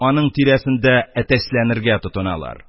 Аның тирәсендә әтәчләнергә тотыналар.